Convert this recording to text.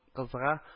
Гызга